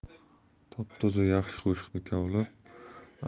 top toza yaxshi qo'shiqni kavlab